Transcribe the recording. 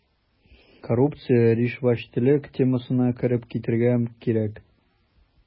Коррупция, ришвәтчелек темасына кереп китәргә кирәк.